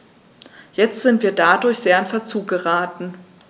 Jetzt sind wir dadurch sehr in Verzug geraten.